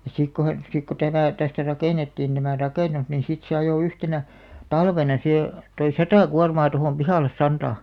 ja sitten kun he sitten kun tämä tästä rakennettiin tämä rakennus niin sitten se ajoi yhtenä talvena siihen toi sata kuormaa tuohon pihalle santaa